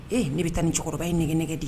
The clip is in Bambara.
Ee ne bɛ taa ni cɛkɔrɔba ye ne nɛgɛ ne nɛgɛ di ye